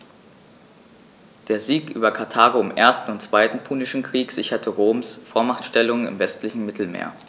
Der Sieg über Karthago im 1. und 2. Punischen Krieg sicherte Roms Vormachtstellung im westlichen Mittelmeer.